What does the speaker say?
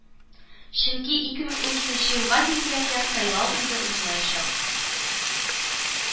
Чөнки ике мең уникенче елга билгеләнгән сайлау инде узмаячак